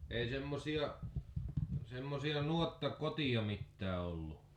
ei semmoisia semmoisia nuottakotia mitään ollut